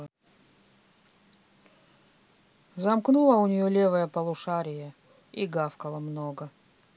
замкнула у нее левая полушария и гавкала много